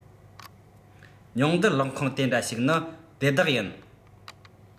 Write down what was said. ཉིང རྡུལ གློག ཁང དེ འདྲ ཞིག ནི སྡེ བདག ཡིན